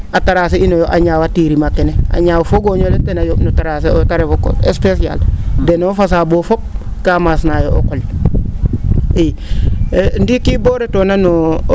a tracer in a ñaaw a tiirima kene a ñaaw fogooñ ole ten a yoo?no o tracer ooyo te ref o qol speciale denoo fasaa?oo fop kaa maasnaayo o qol i ndiiki boo retoona no